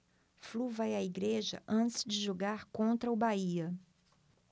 flu vai à igreja antes de jogar contra o bahia